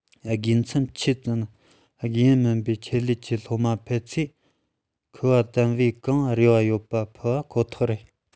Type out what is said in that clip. དགེ མཚན ཆེ ཙམ དགེ འོས མིན པའི ཆེད ལས ཀྱི སློབ མ ཕུད ཚོས ཁུ བ དམ བེའུ གང རེ བ ཡོད པ ཕུད པ ཁོ ཐག རེད